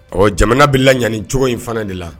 Ɔ jamana bɛ la yanani cogo in fana de la